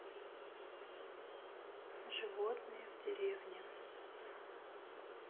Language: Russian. животные в деревне